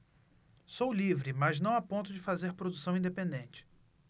sou livre mas não a ponto de fazer produção independente